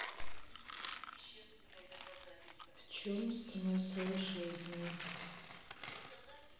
в чем смысл жизни